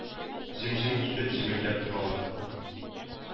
Җем-җем итеп җемелдәп торалар.